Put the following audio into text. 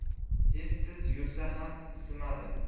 tez tez yursa ham isimadi